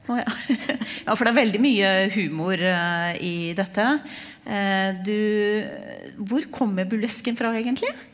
å ja ja for det er veldig mye humor i dette du, hvor kommer burlesken fra egentlig?